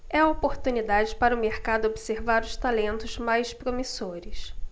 é a oportunidade para o mercado observar os talentos mais promissores